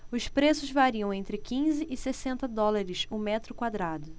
os preços variam entre quinze e sessenta dólares o metro quadrado